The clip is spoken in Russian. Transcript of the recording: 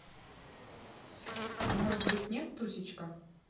а может быть нет тусечка